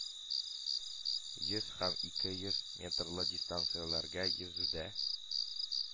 Йөз һәм ике йөз метрлы дистанцияләргә йөзүдә